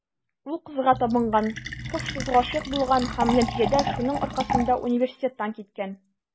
Ул кызга табынган, һушсыз гашыйк булган һәм, нәтиҗәдә, шуның аркасында университеттан киткән.